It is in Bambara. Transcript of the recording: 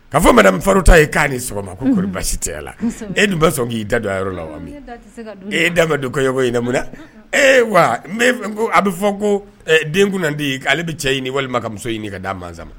Ka fɔ m farir ta ye k'a ni sɔgɔma ko basi tɛ la e dun bɛ sɔn k'i da don a yɔrɔ la wa e ye dan don kogo in mun wa ko a bɛ fɔ ko den kun di ale bɛ cɛ ɲini walima ka muso ɲini ka d da masa ma